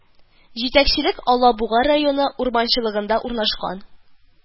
Җитәкчелек Алабуга районы урманчылыгында урнашкан